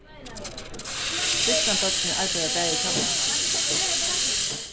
systkinabørnini arbeiða bæði hjá mær